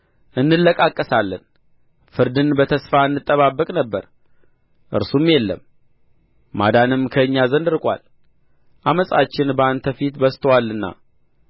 እንለቃቀሳለን ፍርድን በተስፋ እንጠባበቅ ነበር እርሱም የለም መዳንም ከእኛ ዘንድ ርቆአል ዓመፃችን በአንተ ፊት በዝቶአልና